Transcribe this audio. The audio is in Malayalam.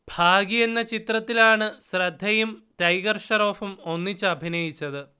ഭാഗി എന്ന ചിത്രത്തിലാണ് ശ്രദ്ധയും ടൈഗർ ഷ്റോഫും ഒന്നിച്ചഭിനയിച്ചത്